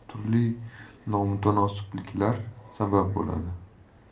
turli nomutanosibliklar sabab bo'ladi